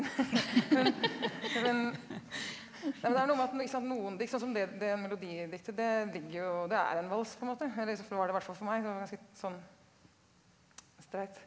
men neimen neimen det er noe med at den ikke sant noen ikke sant som det det melodidiktet det ligger jo og det er en vals på en måte eller var det i hvert fall for meg så ganske sånn streit.